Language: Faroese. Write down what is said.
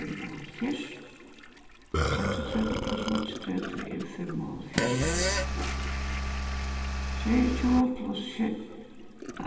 fimmoghálvfjerðs seksogtretivu pluss níggjuogtretivu er fimmoghálvfjerðs sjeyogtjúgu